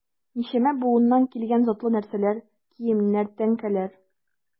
Ничәмә буыннан килгән затлы нәрсәләр, киемнәр, тәңкәләр...